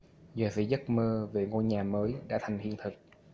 giờ thì giấc mơ về ngôi nhà mới đã thành hiện thực